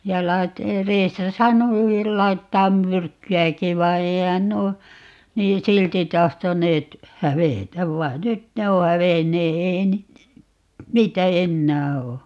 ja -- saanut niihin laittaa myrkkyäkin vaan eihän nuo niin silti tahtoneet hävitä vain nyt ne on hävinneet ei - niitä enää ole